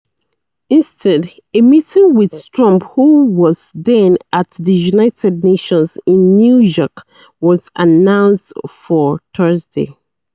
Instead, a meeting with Trump, who was then at the United Nations in New York, was announced for Thursday.